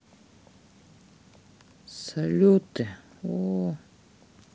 salute о